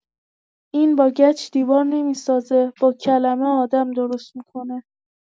این با گچ دیوار نمی‌سازه، با کلمه آدم درست می‌کنه.